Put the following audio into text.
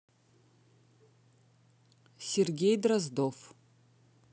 сергей дроздов